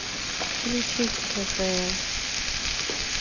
включить кхл